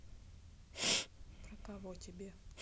про кого тебе